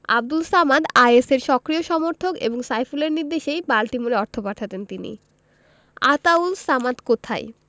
আবদুল সামাদ আইএসের সক্রিয় সমর্থক এবং সাইফুলের নির্দেশেই বাল্টিমোরে অর্থ পাঠাতেন তিনি আতাউল সামাদ কোথায়